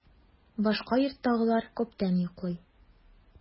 Башка йорттагылар күптән йоклый.